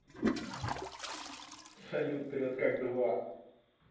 салют прет как два